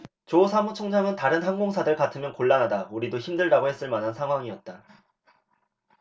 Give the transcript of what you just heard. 조 사무총장은 다른 항공사들 같으면 곤란하다 우리도 힘들다고 했을 만한 상황이었다